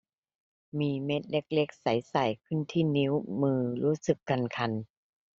มีเม็ดเล็กเล็กใสใสขึ้นที่นิ้วมือรู้สึกคันคัน